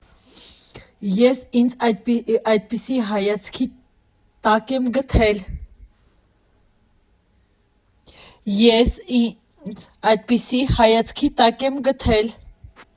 Ես ինձ այդպիսի հայացքի տակ եմ գտել։